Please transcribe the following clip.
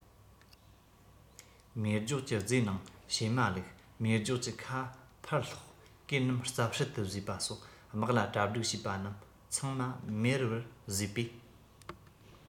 མེ སྒྱོགས ཀྱི རྫས ནང བྱེ མ བླུགས མེ སྒྱོགས ཀྱི ཁ ཕར སློག གོས རྣམས རྩབ ཧྲལ དུ བཟོས པ སོགས དམག ལ གྲ སྒྲིག བྱས པ རྣམས ཚང མ མེར པར བཟོས པས